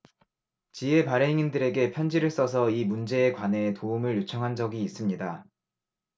지의 발행인들에게 편지를 써서 이 문제에 관해 도움을 요청한 적이 있습니다